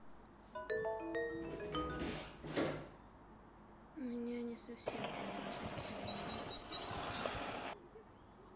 ну у меня не совсем поднялось настроение